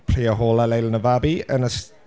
Priya Hall a Leila Navabi yn y...